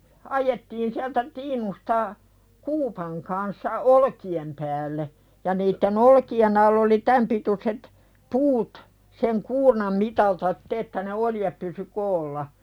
ajettiin sieltä tiinusta kuupan kanssa olkien päälle ja niiden olkien alla oli tämän pituiset puut sen kuurnan mitalta sitten että ne oljet pysyi koolla